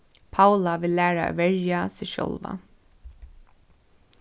paula vil læra at verja seg sjálva